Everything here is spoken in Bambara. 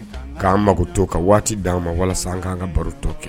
Kan mago to ka waati dan ma walasa an kan ka baro tɔ kɛ.